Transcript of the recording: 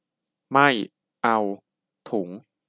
ไม่เอาถุง